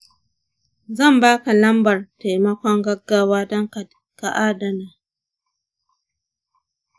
zan ba ka lambar taimakon gaggawa don ka adana.